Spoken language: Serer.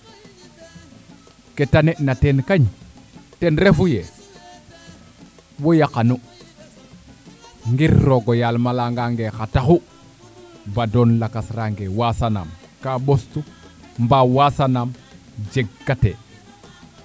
ke tane na teen kay ten refu ye wo yaqanu ngir roogo yaal o leya nga nge xa taxu ba doon lakas raange wasanam ka ɓostu mbaa wasanaam jeg kate